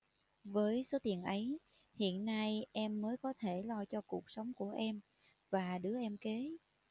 với số tiền ấy hiện nay em mới có thể lo cho cuộc sống của em và đứa em kế